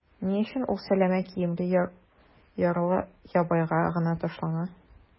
Ни өчен ул сәләмә киемле ярлы-ябагайга гына ташлана?